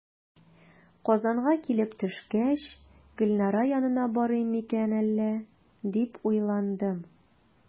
Казанга килеп төшкәч, "Гөлнара янына барыйм микән әллә?", дип уйландым.